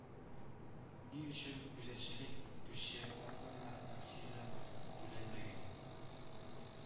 Ни өчен күзәтчелек итүче органнар акцизы түләнмәгән